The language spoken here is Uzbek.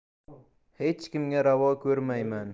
hech kimga ravo ko'rmayman